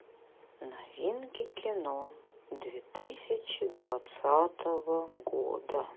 новинки кино две тысячи двадцатого года